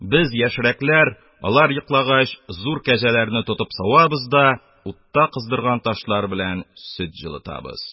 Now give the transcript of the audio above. Без, яшьрәкләр, алар йоклагач, зур кәҗәләрне тотып савабыз да, утта кыздырган ташлар белән сөт җылытабыз.